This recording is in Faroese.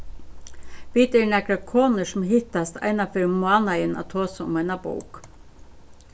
vit eru nakrar konur sum hittast eina ferð um mánaðin at tosa um eina bók